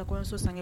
Ka kɔɲɔso saŋɛ